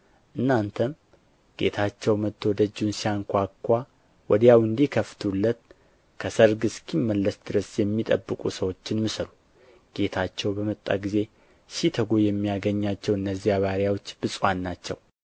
እናንተም ጌታቸው መጥቶ ደጁን ሲያንኳኳ ወዲያው እንዲከፍቱለት ከሰርግ እስኪመለስ ድረስ የሚጠብቁ ሰዎችን ምሰሉ ጌታቸው በመጣ ጊዜ ሲተጉ የሚያገኛቸው እነዚያ ባሪያዎች ብፁዓን ናቸው